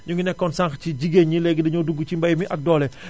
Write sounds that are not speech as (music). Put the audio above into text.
ñu ngi nekkoon sànq ci jigéen ñi léegi dañoo dugg ci mbay mi ak doole (inhales)